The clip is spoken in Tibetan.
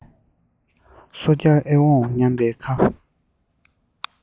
སོ རྒྱག ཨེ འོང སྙམ པའི ཁ